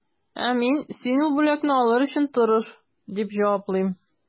Ә мин, син ул бүләкне алыр өчен тырыш, дип җаваплыйм.